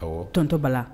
Ɔ tɔnontɔ'